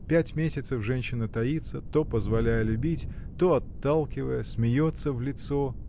Пять месяцев женщина таится, то позволяя любить, то отталкивая, смеется в лицо.